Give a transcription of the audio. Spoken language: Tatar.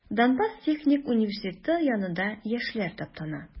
Донбасс техник университеты янында яшьләр таптана.